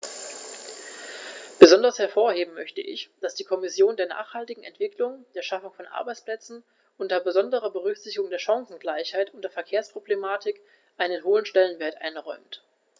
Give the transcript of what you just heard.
Besonders hervorheben möchte ich, dass die Kommission der nachhaltigen Entwicklung, der Schaffung von Arbeitsplätzen unter besonderer Berücksichtigung der Chancengleichheit und der Verkehrsproblematik einen hohen Stellenwert einräumt.